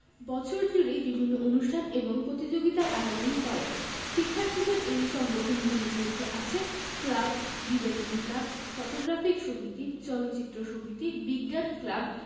বছর জুড়েই বিভিন্ন অনুষ্ঠান এবং প্রতিযোগিতার আয়োজন করে শিক্ষার্থীদের এই সংগঠনগুলির মধ্যে আছে ক্লাব ডিবেটিং ক্লাব ফটোগ্রাফিক সমিতি চলচ্চিত্র সমিতি বিজ্ঞান ক্লাব